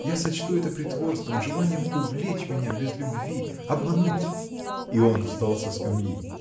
Я сочту это притворством, желанием увлечь меня без любви, обмануть. И он встал со скамьи.